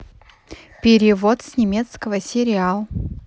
перевод с немецкого сериал